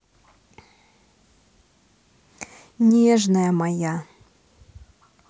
нежная моя